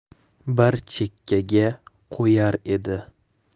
bir chekkaga qo'yar edi